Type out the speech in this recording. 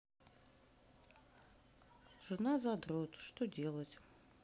жена задрот что делать